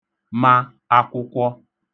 ma akwụkwọ